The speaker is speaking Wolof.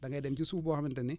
da ngay dem ci suuf boo xamante ne